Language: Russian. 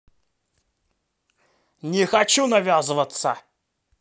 не хочу привязывать